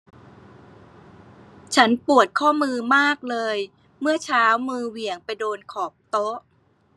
ฉันปวดข้อมือมากเลยเมื่อเช้ามือเหวี่ยงไปโดนขอบโต๊ะ